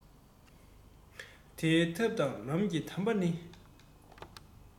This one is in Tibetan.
དེའི ཐབས དང ལམ གྱི དམ པ ནི